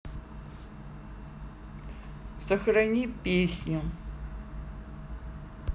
сохрани песню